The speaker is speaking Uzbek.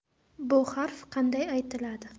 bu harf qanday aytiladi